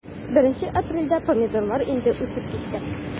1 апрельдә помидорлар инде үсеп киткән.